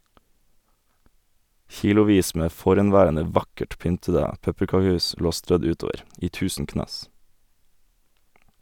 Kilovis med forhenværende vakkert pyntede pepperkakehus lå strødd utover - i tusen knas.